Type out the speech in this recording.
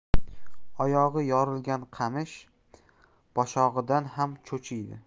oyog'i yorilgan qamish boshog'idan ham cho'chiydi